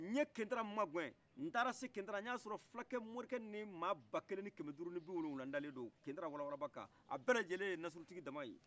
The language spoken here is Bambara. ɲe kindra ma ŋɛ ntara se kindra ɲa sɔrɔ fila kɛ morikɛ ni mɔgɔ bakelen ni kɛmɛ duru ni biwolofila daledo kindra walawalabakan a bɛ laɲɛle ye nasuru tigi dama ye